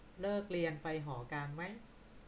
เลิกเรียนไปหอกลางมั้ย